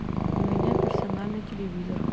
у меня персональный телевизор